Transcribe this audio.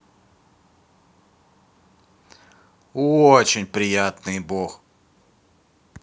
очень приятный бог